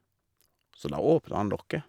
Så da åpna han lokket.